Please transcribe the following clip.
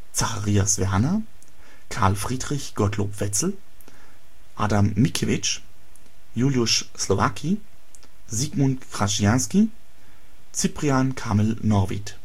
Zacharias Werner, Karl Friedrich Gottlob Wetzel, Adam Mickiewicz, Juliusz Slowacki, Zygmunt Krasiński, Cyprian Kamil Norwid